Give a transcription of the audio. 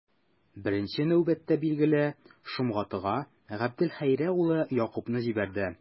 Беренче нәүбәттә, билгеле, Шомгатыга, Габделхәйгә улы Якубны җибәрде.